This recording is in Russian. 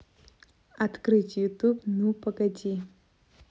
открыть ютуб ну погоди